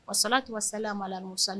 O sala tun sala malamu sa